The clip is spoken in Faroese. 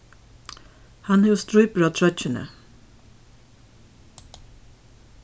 hann hevur strípur á troyggjuni